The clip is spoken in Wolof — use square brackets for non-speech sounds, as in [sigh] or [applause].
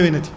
[hesitation] [hesitation]